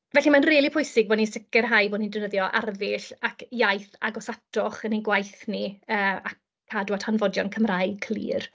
Felly, mae'n rili pwysig bod ni'n sicrhau bod ni'n defnyddio arddull ac iaith agos atoch yn ein gwaith ni, yy a cadw at hanfodion Cymraeg Clir.